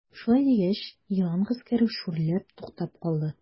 Шулай дигәч, елан гаскәре шүрләп туктап калды.